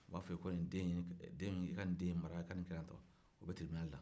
o b'a fɔ ye ko nin e e ka nin den in mara e ka nin kɛ yan tɔ o bɛ tiribinali la